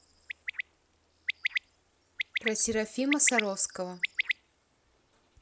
про серафима саровского